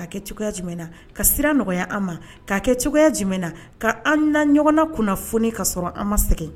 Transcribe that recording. K kaa kɛ cogoya jumɛn ka sira nɔgɔya an ma kaa kɛ cogoya jumɛn ka an na ɲɔgɔn kunna foni ka sɔrɔ an ma sɛgɛn